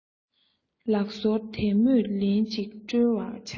ལག སོར དལ མོས ལེན ཅིག དཀྲོལ བར བྱ